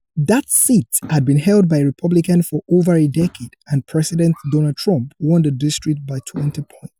That seat had been held by a Republican for over a decade, and President Donald Trump won the district by 20 points.